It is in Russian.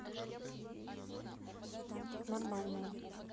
нормальная